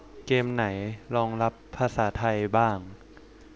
เกมไหนรองรับภาษาไทยบ้าง